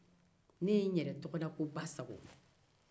ne ye n yɛrɛ tɔgɔda ko bassago